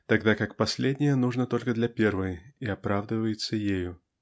тогда как последнее нужно только для первой и оправдывается ею.